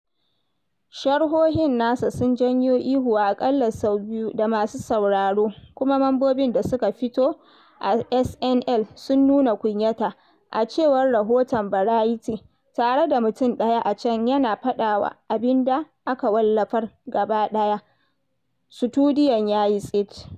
Sharhohin nasa sun janyo ihu aƙalla sau biyu da masu sauraro kuma mambobin da suka fito a SNL sun nuna kunyata, a cewar rahoton Variety, tare da mutum ɗaya a can yana faɗa wa abin da aka wallafar: Gaba ɗaya sutudiyon ya yi tsit."